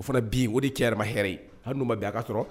O fana bin , o de kɛr'a ma hɛrɛ ye, hali n'o ma bɛn a ka sɔrɔ